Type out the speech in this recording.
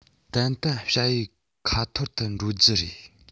ཏན ཏན བྱ ཡུལ ཁ ཐོར དུ འགྲོ རྒྱུ རེད